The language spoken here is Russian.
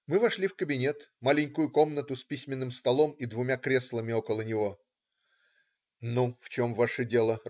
Мы вошли в кабинет - маленькую комнату с письменным столом и двумя креслами около него. "Ну, в чем ваше дело?